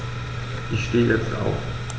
Ich stehe jetzt auf.